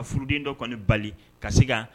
Ka furuden dɔ kɔnni bali ka se ka